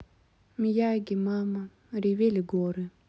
miyagi мама ревели горы